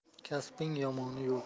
kasbning yomoni yo'q